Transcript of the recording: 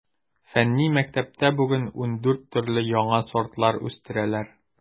Фәнни мәктәптә бүген ундүрт төрле яңа сортлар үстерәләр.